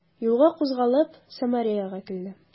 Юлга кузгалып, Самареяга килде.